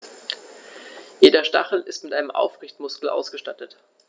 Jeder Stachel ist mit einem Aufrichtemuskel ausgestattet.